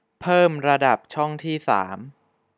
เพิ่มระดับช่องที่สาม